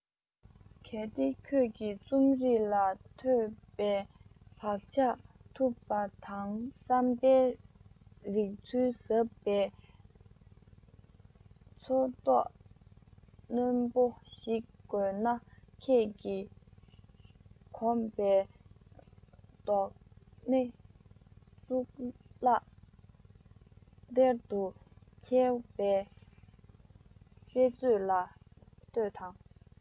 གལ ཏེ ཁྱོད རང རྩོམ རིག ལ ཐོས པའི བག ཆགས འཐུག པ དང བསམ པའི རིག ཚུལ ཟབ པའི ཚོར རྟོག རྣོན པོ ཞིག དགོས ན ཁྱོད ཀྱི གོམ པའི རྡོག སྣེ གཙུག ལག གཏེར དུ འཁྱིལ པའི དཔེ མཛོད ལ གཏོད དང